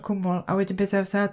Y cwmwl, a wedyn pethau fatha,